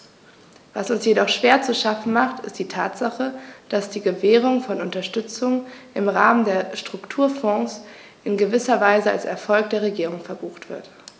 Was uns jedoch schwer zu schaffen macht, ist die Tatsache, dass die Gewährung von Unterstützung im Rahmen der Strukturfonds in gewisser Weise als Erfolg der Regierung verbucht wird.